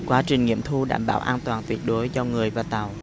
quá trình nghiệm thu đảm bảo an toàn tuyệt đối cho người và tàu